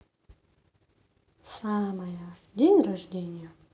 самая день рождения